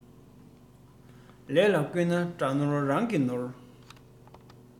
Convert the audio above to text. ལས ལ བཀོད ན དགྲ ནོར རང གི ནོར